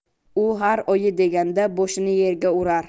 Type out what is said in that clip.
u har oyi deganda boshini yerga urar